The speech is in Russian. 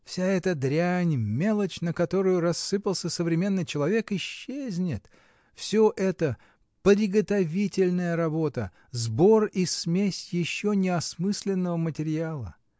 Вся эта дрянь, мелочь, на которую рассыпался современный человек — исчезнет: всё это приготовительная работа, сбор и смесь еще неосмысленного материала.